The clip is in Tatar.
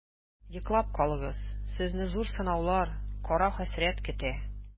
Йоклап калыгыз, сезне зур сынаулар, кара хәсрәт көтә.